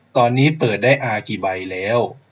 ตอนนี้เปิดได้อากี่ใบแล้ว